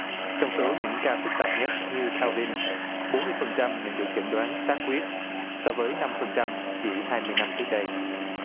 trong số những ca phức tạp nhất như ca vin bốn mươi phần trăm nhận được chẩn đoán xác quyết so với năm phần trăm chỉ hai mươi năm trước đây